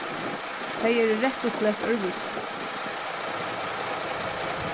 tey eru rætt og slætt øðrvísi